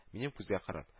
Минем күзгә карап: